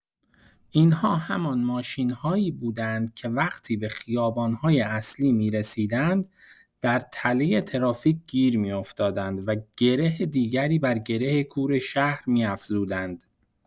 این‌ها همان ماشین‌هایی بودند که وقتی به خیابان‌های اصلی می‌رسیدند در تله ترافیک گیر می‌افتادند و گره دیگری بر گره کور شهر می‌افزودند.